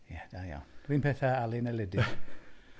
Ie da iawn. Yr un peth â Alun Elidyr .